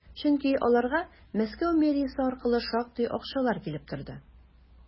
Чөнки аларга Мәскәү мэриясе аркылы шактый акчалар килеп торды.